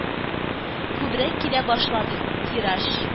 Күбрәк килә башлады, тираж